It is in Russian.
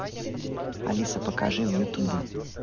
алиса покажи в ютубе